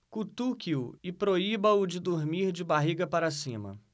cutuque-o e proíba-o de dormir de barriga para cima